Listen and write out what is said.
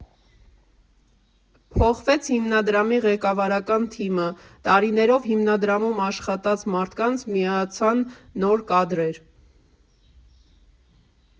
Փոխվեց հիմնադրամի ղեկավարական թիմը, տարիներով հիմնադրամում աշխատած մարդկանց միացան նոր կադրեր։